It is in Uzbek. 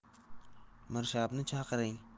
mirshabni chaqiring